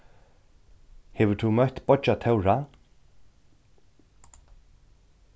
hevur tú møtt beiggja tóra